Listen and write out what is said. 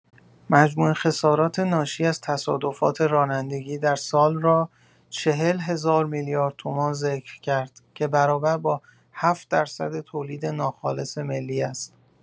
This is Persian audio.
مجموعه خسارات ناشی از تصادفات رانندگی در سال را ۴۰ هزار میلیارد تومان ذکر کرد که برابر با ۷ درصد تولید ناخالص ملی است.